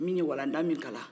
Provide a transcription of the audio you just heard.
min ye walanda min kalan